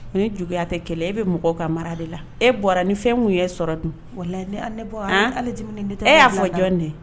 Ni juguyaya tɛ kɛlɛ e bɛ mɔgɔw ka mara de la e bɔra ni fɛn min ye sɔrɔ dun wala tɛ e y'a fɔ jɔn dɛ